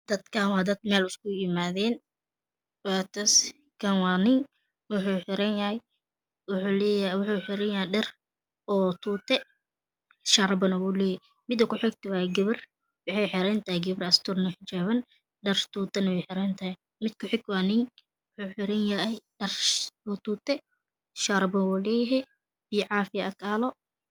Dadkaan waa dad meel iskugu yimaadeen. Wuxuu leeyahay. wuxuu xiranyahay dhar oo tuute. shaaribane wuu leehay .tanbku xigta waxay xiran yahay waa gabar asturan soo xijaaban. dhar tuuane way xiran tahay